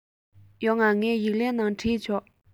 ཡོང ང ངས ཡིག ལན ནང བྲིས ཆོག